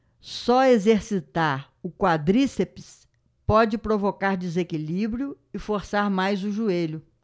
só exercitar o quadríceps pode provocar desequilíbrio e forçar mais o joelho